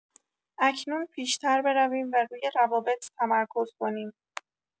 اکنون پیش‌تر برویم و روی روابط تمرکز کنیم.